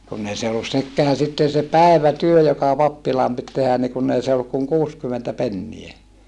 kun ei se ollut sekään sitten se päivätyö joka pappilaan piti tehdä niin kun ei se ollut kuin kuusikymmentä penniä